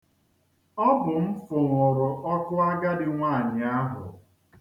Ọ bụ m fụnwụrụ ọkụ agadi nwaanyị ahụ.